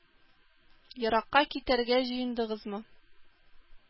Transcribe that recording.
Еракка китәргә җыендыгызмы?